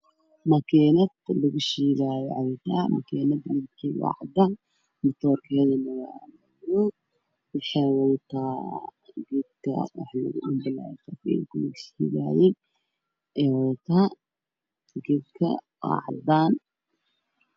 Waa makiinad wax lagu sheegayo midkeedu yahay caddaan hoos madow ka ah khudaar ayaa loo sheegayaa